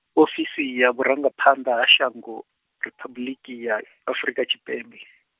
Ofisi ya vhurangaphanḓa ha Shango Riphabuḽiki ya Afrika Tshipembe.